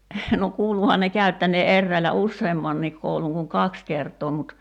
no kuuluihan ne käyttäneen eräillä useammankin koulun kuin kaksi kertaa mutta